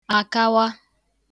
àkawa